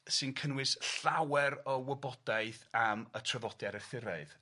sy'n cynnwys llawer o wybodaeth am y traddodiad Arthuraidd.